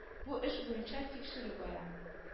Бу эш буенча тикшерү бара